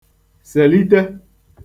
sèlite